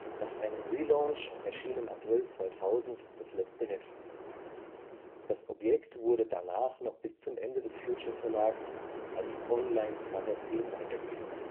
Nach einem Relaunch erschien im April 2000 das letzte Heft. Das Objekt wurde danach noch bis zum Ende des Future-Verlags als Online-Magazin weitergeführt